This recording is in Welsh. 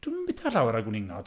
Dwi'm yn byta llawer o gwningod.